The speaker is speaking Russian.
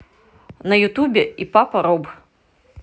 на ютубе и папа роб